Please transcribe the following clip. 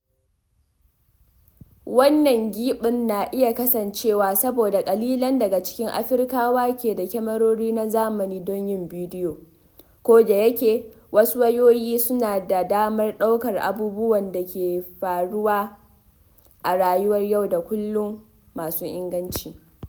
Wannan gibin na iya kasancewa saboda ƙalilan daga cikin Afirkawa ke da kyamarori na zamani don yin bidiyo, ko da yake wasu wayoyi suna ba da damar ɗaukar abubuwan da ke faruwa a rayuwar yau da kullum masu inganci.